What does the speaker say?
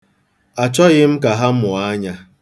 Achọghi m ka ha mụọ anya.